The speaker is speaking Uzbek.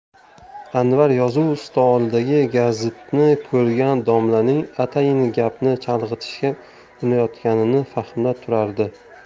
anvar yozuv stolidagi gazitni ko'rgan domlaning atayin gapni chalg'itishga urinayotganini fahmlab turardi